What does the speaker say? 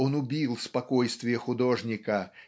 он убил спокойствие художника